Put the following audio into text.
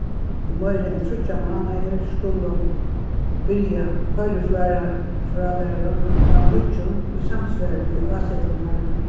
í meira enn tríggjar mánaðir skulu byrja frálæruna av nýggjum í samsvari við ásetingarnar